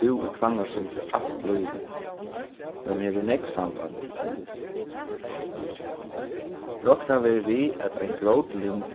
búð í hvannasundi alt lívið men hevur nógv samband til eiðis roknað verður við at ein grótlind